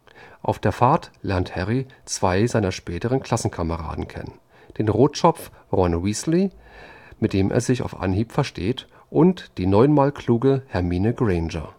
Auf der Fahrt lernt Harry zwei seiner späteren Klassenkameraden kennen: den Rotschopf Ron Weasley, mit dem er sich auf Anhieb versteht, und die neunmalkluge Hermine Granger